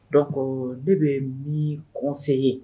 Dɔn ne bɛ min kɔsen ye